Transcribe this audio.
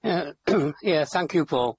Ie thank you Paul.